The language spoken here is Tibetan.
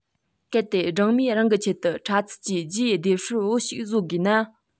གལ ཏེ སྦྲང མས རང གི ཆེད དུ པྲ ཚིལ གྱི རྒྱུའི ལྡེབས སྲབ བུ ཞིག བཟོ དགོས ན